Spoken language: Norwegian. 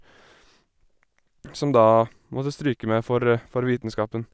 Som da måtte stryke med for for vitenskapen.